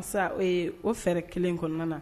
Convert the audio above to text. Masa o fɛ kelen kɔnɔna na